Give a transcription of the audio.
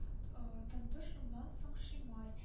Тынды шуннан соң Шимай